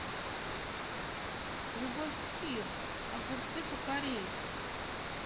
любовь ким огурцы по корейски